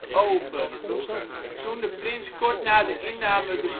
over. Toen de Prins kort na de inname de